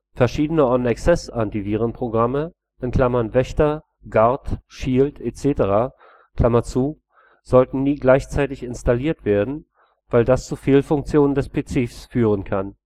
Verschiedene On-Access-Antivirenprogramme („ Wächter “,„ Guard “,„ Shield “, etc.) sollten nie gleichzeitig installiert werden, weil das zu Fehlfunktionen des PC führen kann